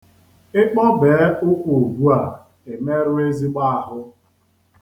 Ị kpọbee ụkwụ ugbua, i merụọ ezigbo ahụ.